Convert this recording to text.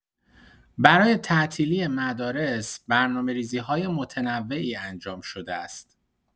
برای تعطیلی مدارس، برنامه‌ریزی‌های متنوعی انجام شده است.